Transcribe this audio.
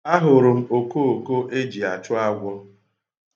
Ahụrụ m okooko e ji achụ agwọ.